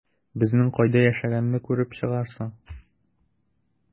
Безнең кайда яшәгәнне күреп чыгарсың...